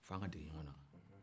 fo aw ka deli ɲɔgɔn na